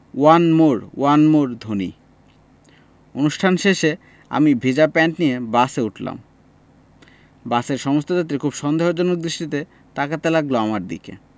one more one more ধ্বনি অনুষ্ঠান শেষে আমি ভিজা প্যান্ট নিয়ে বাসে উঠলাম বাসের সমস্ত যাত্রী খুব সন্দেহজনক দৃষ্টিতে তাকাতে লাগলো আমার দিকে